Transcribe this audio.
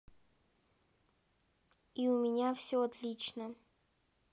и у меня все отлично